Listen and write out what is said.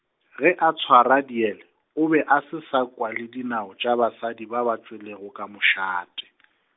ge a tshwara dieta, o be a se sa kwa le dinao tša basadi ba ba tšwelego ka mošate .